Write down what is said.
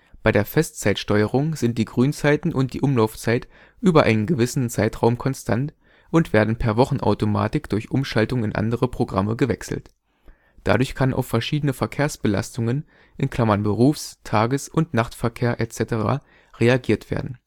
Bei der Festzeitsteuerung sind die Grünzeiten und die Umlaufzeit über einen gewissen Zeitraum konstant und werden per Wochenautomatik durch Umschaltung in andere Programme gewechselt. Dadurch kann auf verschiedene Verkehrsbelastungen (Berufs -, Tages - und Nachtverkehr etc.) reagiert werden